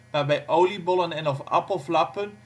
waarbij oliebollen en/of appelflappen